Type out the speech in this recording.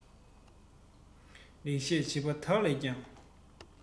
ལེགས བཤད བྱིས པ དག ལས ཀྱང